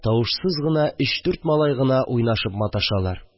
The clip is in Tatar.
Тавышсыз гына өч-дүрт малай гына уйнашып маташалар